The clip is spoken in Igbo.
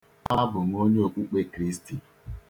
Abụ m onye okpukpe Kristi.